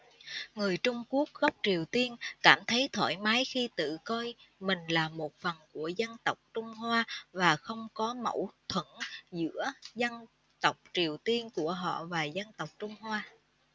người trung quốc gốc triều tiên cảm thấy thoải mái khi tự coi mình là một phần của dân tộc trung hoa và không có mâu thuẫn giữa dân tộc triều tiên của họ và dân tộc trung hoa